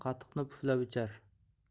qatiqni puflab ichar